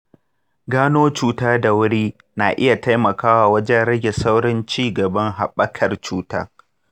gano cuta da wuri na iya taimakawa wajen rage saurin cigaban haɓakar cuta.